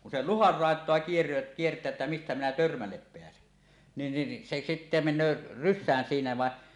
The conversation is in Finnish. kun se luhan laitaa - kiertää että mistä minä törmälle pääsen niin niin se sitten menee rysään siinä vain